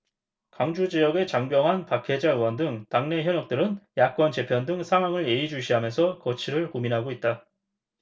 광주지역의 장병완 박혜자 의원 등 당내 현역들은 야권 재편 등 상황을 예의주시하면서 거취를 고민하고 있다